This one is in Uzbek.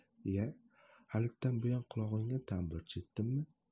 iye halitdan buyon qulog'ingga tanbur chertdimmi